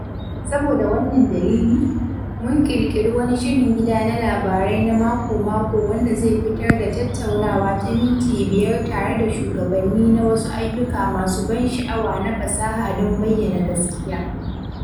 Saboda wannan dalili, mun ƙirƙiri wani shirin gida na labarai na mako-mako wanda zai fitar da tattaunawa ta minti biyar tare da shugabanni na wasu ayyuka masu ban sha'awa na fasaha don bayyana gaskiya.